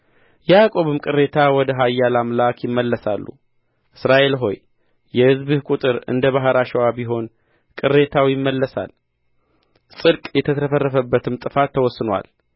የያዕቆብም ቅሬታ ወደ ኃያል አምላክ ይምለሳሉ እስራኤል ሆይ የሕዝብህ ቍጥር እንደ ባሕር አሸዋ ቢሆን ቅሬታው ይመለሳል ጽድቅ የተትረፈረፈበትም ጥፋት ተወስኖአል